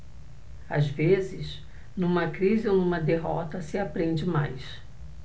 às vezes numa crise ou numa derrota se aprende mais